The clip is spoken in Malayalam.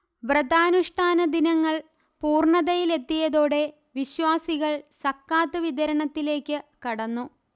വ്രതാനുഷ്ഠാനദിനങ്ങൾ പൂർണതയിലെത്തിയതോടെ വിശ്വാസികൾ സക്കാത്ത് വിതരണത്തിലേക്ക് കടന്നു